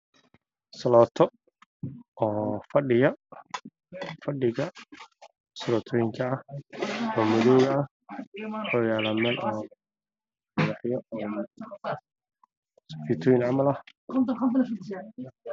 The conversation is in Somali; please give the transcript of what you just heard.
Halkaan waxaa ka muuqdo fadhi madaw